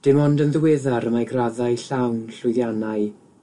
Dim ond yn ddiweddar y mae graddau llawn llwyddiannau